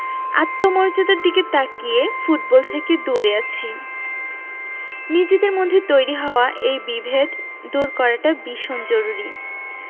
আত্মমর্যাদার দিকে তাকিয়ে ফুটবল থেকে দূরে আছি নিজেদের মধ্যে তৈরি হওয়া এই বিভেদ দূর করাটা বীষণ জরুরি